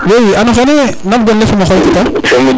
oui ano xene nam gon le fo ma xoy tita